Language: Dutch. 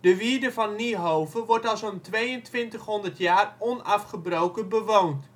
wierde van Niehove wordt al zo 'n 2200 jaar onafgebroken bewoond.